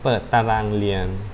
เปิดตารางเรียน